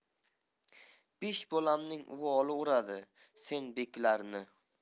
besh bolamning uvoli uradi sen beklarni